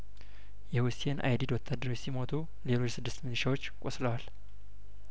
የሁሴን አይዲድ ወታደሮች ሲሞቱ ሌሎቹ ስድስት ሚሊሺያዎች ቆስለዋል